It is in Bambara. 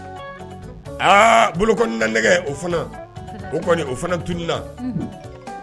Aa boloko na nɛgɛgɛ o fana o fana tununina